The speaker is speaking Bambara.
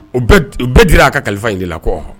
U bɛɛ jira a ka kalifa in de la kɔ